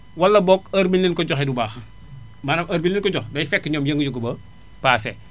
wala boog heure bi ñu leen ko joxee du baax maanaam heure bi ñu leen ko jox day fekk ñoom yëngu-yëngu ba passé